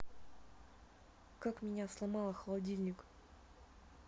как меня сломала холодильник